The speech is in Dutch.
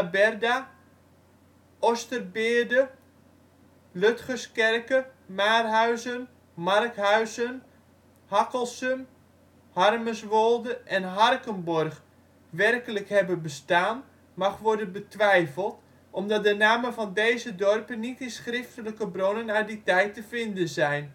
berda, Osterbeerde, Ludgerskerke, Maarhuisen, Markhuisen, Hakkelsum, Harmeswolde en Harkenborg werkelijk hebben bestaan, mag worden bewijfeld, omdat de namen van deze dorpen niet in schriftelijke bronnen uit die tijd te vinden zijn